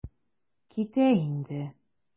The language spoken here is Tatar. Китә инде.